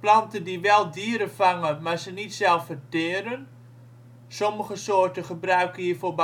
Planten die wel dieren vangen, maar ze niet zelf verteren. Sommige soorten gebruiken hiervoor